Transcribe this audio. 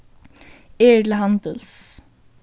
eg eri til handils